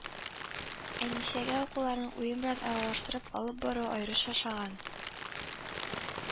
Әнисәгә укуларның уен белән аралаштырып алып барылуы аеруча ошаган